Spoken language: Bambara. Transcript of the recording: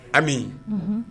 Amimi